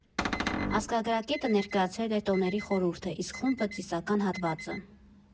Ազգագրագետը ներկայացրել էր տոների խորհուրդը, իսկ խումբը՝ ծիսական հատվածը։